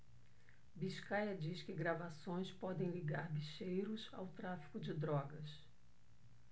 biscaia diz que gravações podem ligar bicheiros ao tráfico de drogas